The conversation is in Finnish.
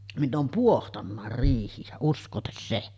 minä olen pohtanutkin riihiä uskokaas se